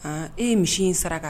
Aa e ye misi in sara saraka